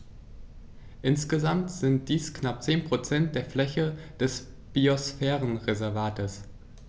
Insgesamt sind dies knapp 10 % der Fläche des Biosphärenreservates.